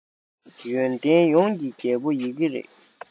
ཡོན ཏན ཡོངས ཀྱི རྒྱལ པོ ཡི གེ རེད